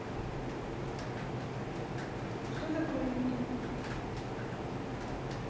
что такое intel